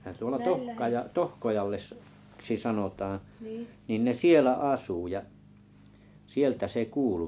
nehän tuolla -- Tohkojaksi sanotaan niin ne siellä asui ja sieltä se kuului